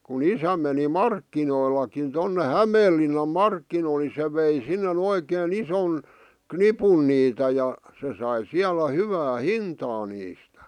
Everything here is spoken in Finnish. kun isä meni markkinoillekin tuonne Hämeenlinnan markkinoille niin se vei sinne oikein ison nipun niitä ja se sai siellä hyvää hintaa niistä